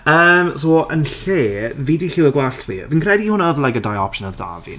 YYm so yn lle fi 'di lliwio gwallt fi. Fi'n credu hwnna oedd y dau opsiwn oedd 'da fi.